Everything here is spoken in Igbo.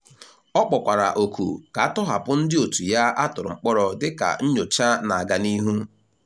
Ọ kpọkwara oku ka atọhapụ ndị otu ya atụrụ mkpọrọ dịka nnyocha na-aga n'ihu.